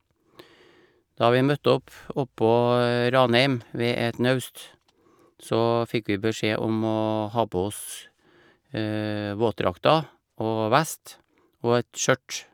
Da vi møtte opp oppå Ranheim ved et naust, så fikk vi beskjed om å ha på oss våtdrakter og vest, og et skjørt.